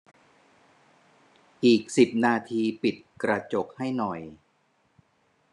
อีกสิบนาทีปิดกระจกให้หน่อย